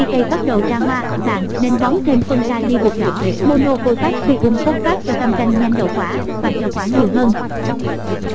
khi cây bắt đầu ra hoa bạn nên bón thêm phân kali bột đỏ monopotassium phosphate cho cam canh nhanh đậu quả và cho quả nhiều hơn